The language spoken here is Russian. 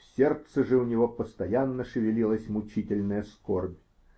в сердце же у него постоянно шевелилась мучительная скорбь.